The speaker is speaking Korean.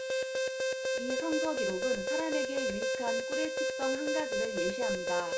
이 성서 기록은 사람에게 유익한 꿀의 특성 한 가지를 예시합니다